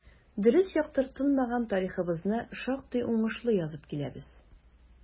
Дөрес яктыртылмаган тарихыбызны шактый уңышлы язып киләбез.